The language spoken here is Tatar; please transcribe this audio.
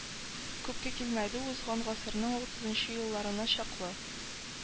Күпкә кимеде, узган гасырның утызынчы елларына чаклы